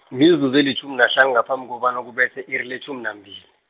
mizuzu elitjhumi nahlanu ngaphambi kobana kubethe i-iri letjhumi nambili.